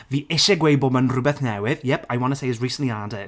Fi isie gweud bod ma'n rhywbeth newydd yep I wanna say it's recently added.